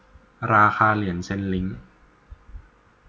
ราคาเหรียญเชนลิ้ง